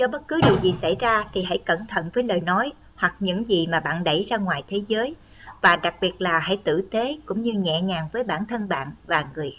dù cho bất cứ điều gì xảy ra thì hãy cẩn thận với lời nói hoặc những gì mà bạn đẩy ra ngoài thế giới và đặc biệt là hãy tử tế cũng như nhẹ nhàng với bản thân bạn và người khác